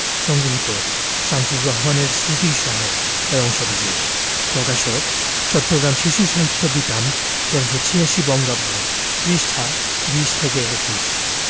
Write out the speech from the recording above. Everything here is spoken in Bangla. সংগৃহীত শামসুর রাহমানের স্মৃতির শহর এর অংশবিশেষ প্রকাশকঃ চট্টগ্রাম শিশু সাহিত্য বিতান ১৩৮৬ বঙ্গাব্দ পৃষ্ঠাঃ ২০ থেকে ২১